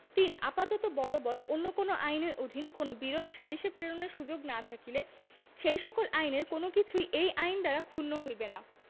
৩ আপাতত বলবৎ অন্য কোন আইনের অধীন কোন বিরোধ সালিসে প্রেরণের সুযোগ না থাকিলে সেই সকল আইনের কোন কিছুই এই আইন দ্বারা ক্ষুণ্ণ হইবে না